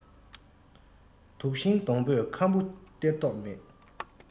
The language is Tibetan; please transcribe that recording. དུག ཤིང སྡོང པོས ཁམ བུ སྟེར མདོག མེད